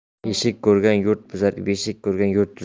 eshik ko'rgan yurt buzar beshik ko'rgan yurt tuzar